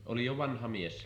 oli jo vanha mies